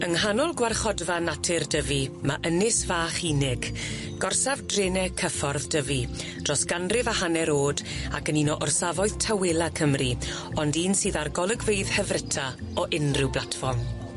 Yng nghanol gwarchodfa natur Dyfi, ma' ynys fach unig gorsaf drene cyffordd Dyfi dros ganrif a hanner o'd ac yn un o orsafoedd tawela Cymru, ond un sydd â'r golygfeydd hyfryta o unryw blatfform.